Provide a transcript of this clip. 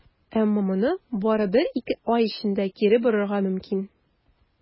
Әмма моны бары бер-ике ай эчендә кире борырга мөмкин.